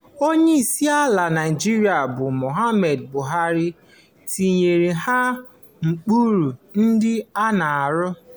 Onyeisiala Naịjirịa bụ Muhammadu Buhari etinyeghị ụkpụrụ ndị a n'ọrụ.